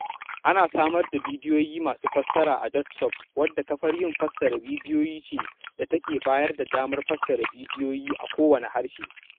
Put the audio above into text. Ana samar da bidiyoyi masu fassara a dotSUB, wadda kafar yin fassarar bidiyoyi ce da take bayar da damar fassara bidiyo a kowane harshe.